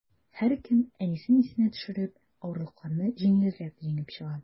Һәркем, әнисен искә төшереп, авырлыкларны җиңелрәк җиңеп чыга.